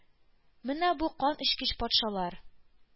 Менә бу канечкеч патшалар,